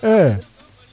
a